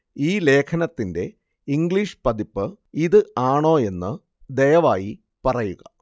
ഈ ലേഖനത്തിന്റെ ഇംഗ്ലീഷ് പതിപ്പ് ഇത് ആണോ എന്ന് ദയവായി പറയുക